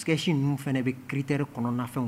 Sketch ninnu fɛnɛ be cristaire kɔnɔnafɛnw